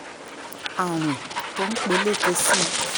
Àrùn T'ó Ń Peléke Sí i